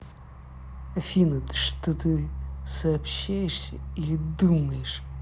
афина что ты сообщаешься или думаешь